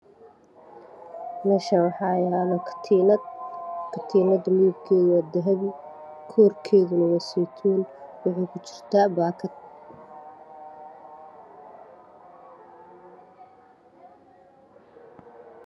Meeshan waxa aynu ku jiro katin waxa ay ku jirtaa backer midabkeeda waa dahabihiisa waa cataan meel ay saaran tahay